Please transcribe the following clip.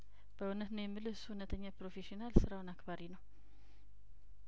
በእውነት ነው የም ልህ እሱ እውነተኛ ፕሮፌሽናል ስራውን አክባሪ ነው